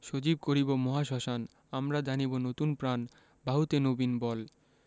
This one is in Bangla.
সজীব করিব মহাশ্মশান আমরা দানিব নতুন প্রাণ বাহুতে নবীন বল